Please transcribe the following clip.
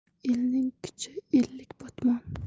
elning kuchi ellik botmon